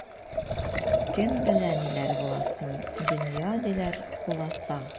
Кем белә ниләр буласын, дөнья, диләр, куласа.